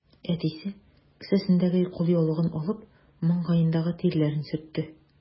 Әтисе, кесәсендәге кулъяулыгын алып, маңгаендагы тирләрен сөртте.